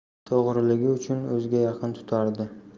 to'g'riligi uchun o'ziga yaqin tutardi